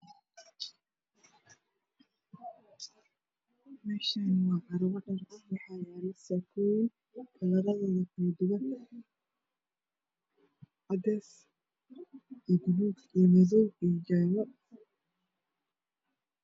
Meeshaan waa carwo dhar ah waxaa yaalo saakooyin kalaradooda ay kala duwan yihiin cadays iyo baluug iyo madow iyo jaallo.